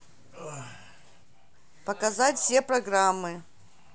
показать все программы